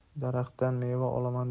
daraxtdan meva olaman